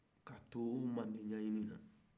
k'a to mande ɲɛɲinini na